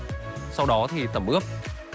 sau đó thì tẩm ướp